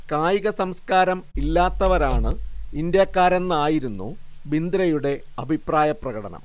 കായികസംസ്കാരം ഇല്ലാത്തവരാണ് ഇന്ത്യക്കാരെന്ന് ആയിരുന്നു ബിന്ദ്രയുടെ അഭിപ്രായ പ്രകടനം